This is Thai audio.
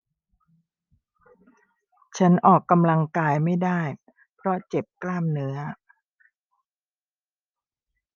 ฉันออกกำลังกายไม่ได้เพราะเจ็บกล้ามเนื้อ